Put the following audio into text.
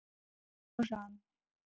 bojan